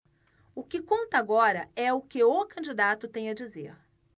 o que conta agora é o que o candidato tem a dizer